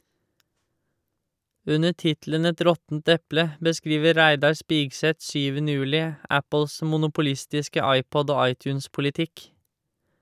Under tittelen «Et råttent eple» beskriver Reidar Spigseth 7. juli Apples monopolistiske iPod- og iTunes-politikk.